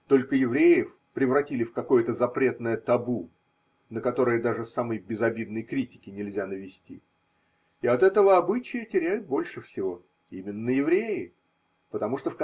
Только евреев превратили в какое-то за претное табу, на которое даже самой безобидной критики нельзя навести, и от этого обычая теряют больше всего именно евреи, потому что.